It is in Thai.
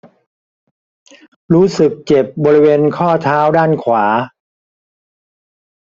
รู้สึกเจ็บบริเวณข้อเท้าด้านขวา